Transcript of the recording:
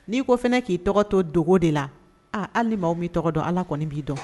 N'i ko fana k'i tɔgɔ to dogoogo de la aa hali' min tɔgɔ dɔn ala kɔni b'i dɔn